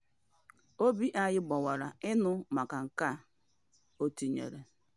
“Obi anyị gbawara ịnụ maka nke a,” o tinyere.